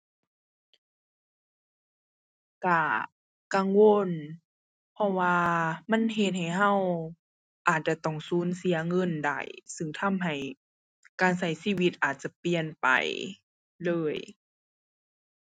ก็กังวล เพราะว่ามันเฮ็ดให้ก็ อาจจะต้องสูญเสียเงินได้ ซึ่งทำให้การก็ชีวิตอาจจะเปลี่ยนไปเลย